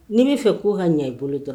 Ni min fɛ k' ka ɲɛ i bolo dɔrɔn